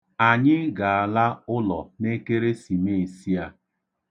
Anyị ga-ala ụlọ n'ekeresimeesi a.